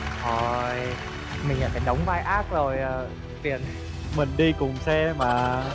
ôi mình lại phải đóng vai ác rồi kiệt mình đi cùng xe mà